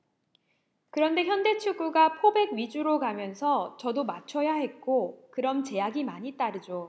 그런데 현대축구가 포백 위주로 가면서 저도 맞춰야 했고 그럼 제약이 많이 따르죠